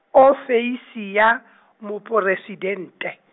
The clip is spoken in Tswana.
ofisi ya , Moporesidente.